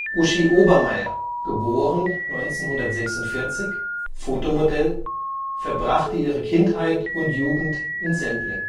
Uschi Obermaier (* 1946), Fotomodell, verbrachte ihre Kindheit und Jugend in Sendling